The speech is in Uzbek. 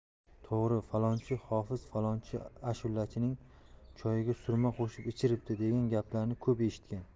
to'g'ri falonchi hofiz falonchi ashulachining choyiga surma qo'shib ichiribdi degan gaplarni ko'p eshitgan